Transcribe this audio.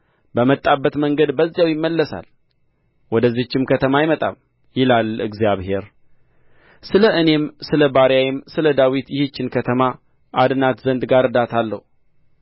በመጣበት መንገድ በዚያው ይመለሳል ወደዚችም ከተማ አይመጣም ይላል እግዚአብሔር ስለ እኔም ስለ ባሪያዬም ስለ ዳዊት ይህችን ከተማ አድናት ዘንድ እጋርዳታለሁ